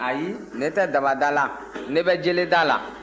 ayi ne tɛ dabada la ne bɛ jeleda la